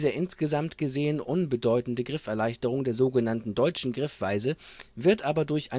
insgesamt gesehen unbedeutende Grifferleichterung der sogenannten deutschen Griffweise wird aber durch